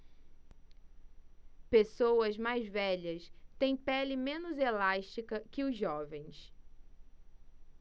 pessoas mais velhas têm pele menos elástica que os jovens